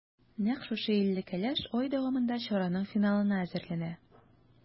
Нәкъ шушы илле кәләш ай дәвамында чараның финалына әзерләнә.